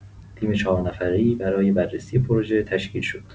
تیم چهارنفره‌ای برای بررسی پروژه تشکیل شد.